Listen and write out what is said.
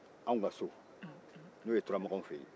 anw ka so n'o ye turamakanw fɛ yen